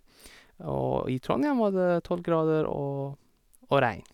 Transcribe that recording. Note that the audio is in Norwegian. Og i Trondhjem var det tolv grader og og regn.